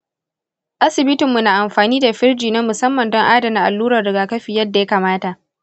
asibitinmu na amfani da firji na musamman don adana alluran rigakafi yadda ya kamata.